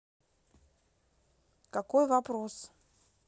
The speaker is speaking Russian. какой вопрос